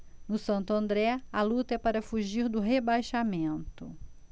no santo andré a luta é para fugir do rebaixamento